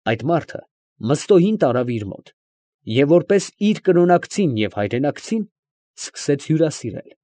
Այդ մարդը Մըստոյին տարավ իր մոտ, և որպես իր կրոնակցին ու հայրենակցին, սկսեց հյուրասիրել։